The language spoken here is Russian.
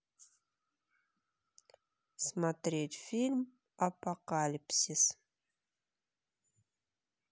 смотреть фильм апокалипсис